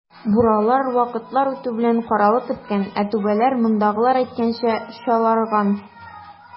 Буралар вакытлар үтү белән каралып беткән, ә түбәләр, мондагылар әйткәнчә, "чаларган".